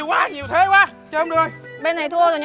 quá nhiều thế quá bên này thua rồi